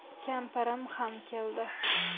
kampirim ham keldi